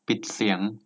ปิดเสียง